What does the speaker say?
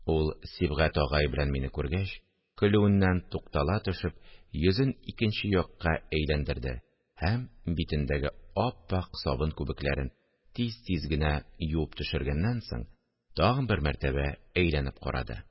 Ул, Сибгать агай белән мине күргәч, көлүеннән туктала төшеп, йөзен икенче якка әйләндерде һәм битендәге ап-ак сабын күбекләрен тиз-тиз генә юып төшергәннән соң, тагын бер мәртәбә әйләнеп карады